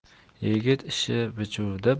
yigit ishi bichuvda